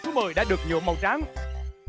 số mười đã được nhuộm màu trắng